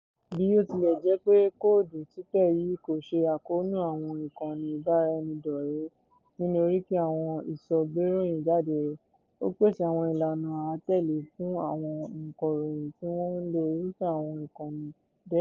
Bí ó tilẹ̀ jẹ́ pé kóòdù títẹ̀ yìí kò ṣe àkóónú àwọn ìkànnì ìbáraẹnidọ́rẹ̀ẹ́ nínú oríkì àwọn ìṣọ̀ ìgbéròyìn jáde rẹ̀, ó pèsè àwọn ìlànà àátẹ̀lé fún àwọn ọ̀ǹkọ̀ròyìn tí wọ́n ń lo irúfẹ́ àwọn ìkànnì bẹ́ẹ̀.